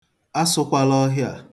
Asụkwala ọhịa a.